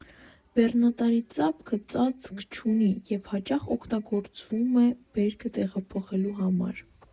Բեռնատարի թափքը ծածկ չունի և հաճախ օգտագործվում է բերքը տեղափոխելու համար։